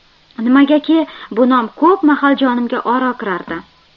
nimagaki bu nom ko'p mahal jonimga ora kirardi